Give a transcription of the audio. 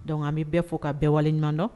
Dɔnkuc bɛ bɛ fo ka bɛɛ wale ɲɔgɔndɔn